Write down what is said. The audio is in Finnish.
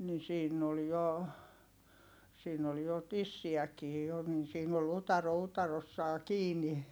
niin siinä oli jo siinä oli jo tissiäkin jo niin siinä oli utare utareessaan kiinni